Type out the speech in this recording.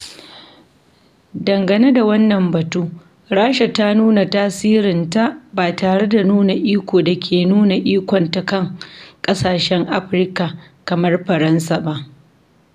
Dangane da wannan batu, Rasha ta nuna tasirinta ba tare da nuna iko da ke nuna ikonta kan ƙasashen Afirka kamar Faransa ba.